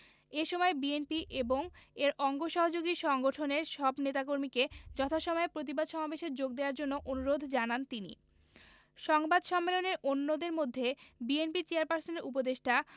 এ সময় বিএনপি এবং এর অঙ্গ সহযোগী সংগঠনের সব নেতাকর্মীকে যথাসময়ে প্রতিবাদ সমাবেশে যোগ দেয়ার জন্য অনুরোধ জানান তিনি সংবাদ সম্মেলনে অন্যদের মধ্যে বিএনপি চেয়ারপারসনের উপদেষ্টা